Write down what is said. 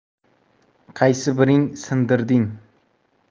qaysi biring sindirding